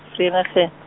Vereeniging.